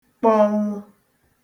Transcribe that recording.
kpọnwụ